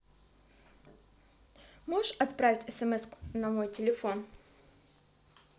можешь отправить смску на мой телефон